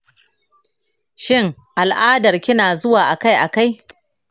shin al’adarki na zuwa a kai a kai?